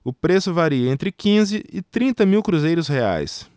o preço varia entre quinze e trinta mil cruzeiros reais